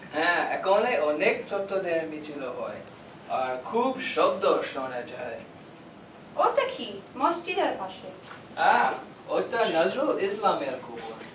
হ্যাঁ এখানে অনেক ছাত্রদের মিছিল হয় আর খুব শব্দ শোনা যায় ওটা কি মসজিদের পাশে হ্যাঁ ওটা নজরুল ইসলামের কবর